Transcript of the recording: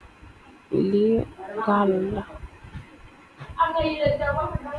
Lii gaal la .